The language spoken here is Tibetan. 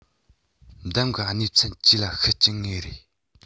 འདེམས གི གནས ཚུལ བཅས ལ ཤུགས རྐྱེན ངེས རེད